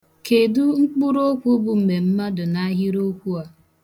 Kedu mkpụrụokwu bụ mmemmadu n'ahịrịokwu a?